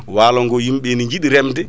walo ngo yimɓeɓe ne jiiɗi remde